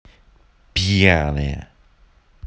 пьяная